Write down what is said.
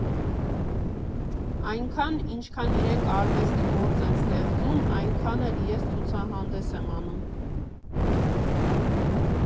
Այնքան, ինչքան իրենք արվեստի գործ են ստեղծում, այնքան էլ ես ցուցահանդես եմ անում։